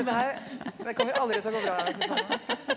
det her det kommer aldri til å gå bra Susanna.